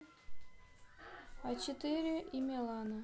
а четыре и милана